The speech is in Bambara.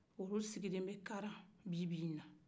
olu sigilen bɛ karan bi bina